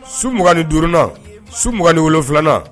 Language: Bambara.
Su m 2ugan ni durunna su m 2ugan wolon filananna